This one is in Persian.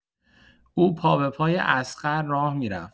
او پابه‌پای اصغر راه می‌رفت.